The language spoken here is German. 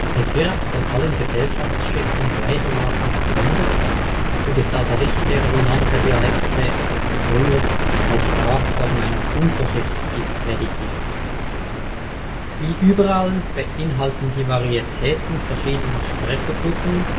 Es wird von allen Gesellschaftsschichten gleichermaßen verwendet und ist also nicht mehr wie manche Dialekte (früher) als Sprachform einer " Unterschicht " diskreditiert. Wie überall beinhalten die Varietäten verschiedener Sprechergruppen